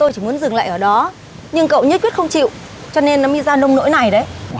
tôi chỉ muốn dừng lại ở đó nhưng cậu nhất quyết không chịu cho nên nó mới ra nông nỗi này đấy